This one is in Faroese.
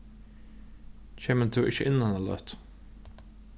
kemur tú ikki inn eina løtu